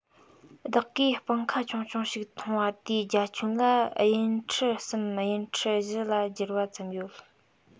བདག གིས སྤང ཁ ཆུང ཆུང ཞིག མཐོང བ དེའི རྒྱ ཁྱོན ལ དབྱིན ཁྲི གསུམ དབྱིན ཁྲི བཞི ལ བསྒྱུར བ ཙམ ཡོད